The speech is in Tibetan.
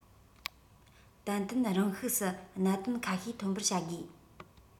ཏན ཏན རང ཤུགས སུ གནད དོན ཁ ཤས ཐོན པར བྱ དགོས